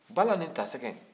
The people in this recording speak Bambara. bala nin ta sɛgɛ